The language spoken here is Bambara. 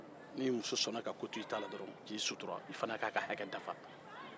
ni muso sɔnna i ta ma k'i sutura i fana k'a ka hakɛ dafa